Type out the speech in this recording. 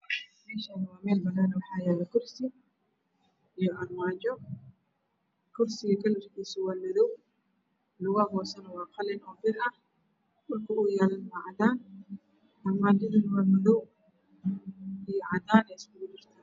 Meeshaani waa meel banaan ah waxaa yaalo kursi iyo armaajo kursiga kalarkiisa waa madow lugaha hoosana waa qalin oo bir ah dhulka uu yaalana waa cadaan armaajadana waa madow iyo cadaan iskugu jirto